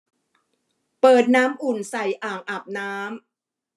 เปิดน้ำอุ่นใส่อ่างอาบน้ำ